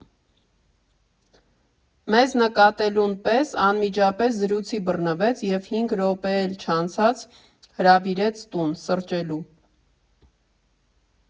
Մեզ նկատելուն պես անմիջապես զրույցի բռնվեց և հինգ րոպե էլ չանցած հրավիրեց տուն՝ սրճելու։